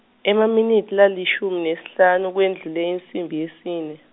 Emaminitsi lalishumi nesihlanu, kwendlule insimbi yesine.